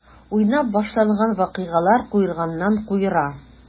Уйнап башланган вакыйгалар куерганнан-куера.